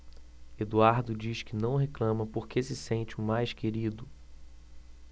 eduardo diz que não reclama porque se sente o mais querido